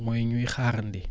mooy ñuy xaarandi